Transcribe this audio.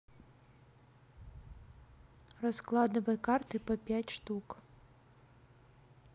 раскладывай карты по пять штук